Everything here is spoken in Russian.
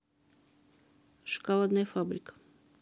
шоколадная фабрика